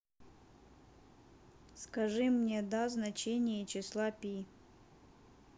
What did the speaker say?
скажи мне да значение числа пи